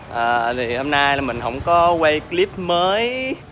à thì hôm nay là mình không có quay cờ líp mới